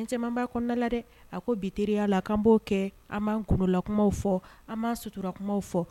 N camanba kɔnda la dɛ a ko bitirieliya la an b'o kɛ an'anla kuma fɔ an b' suturakumaw fɔ